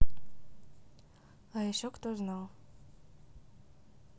а еще кто то знал